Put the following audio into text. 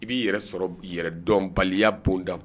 I b'i yɛrɛ sɔrɔ yɛrɛdɔnbaliya bonda la!